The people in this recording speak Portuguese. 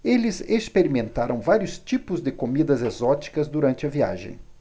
eles experimentaram vários tipos de comidas exóticas durante a viagem